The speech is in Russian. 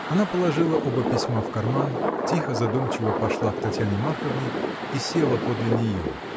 Она положила оба письма в карман, тихо, задумчиво пошла к Татьяне Марковне и села подле нее.